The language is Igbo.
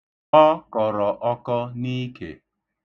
Ọ kọrọ ọkọ n'ike.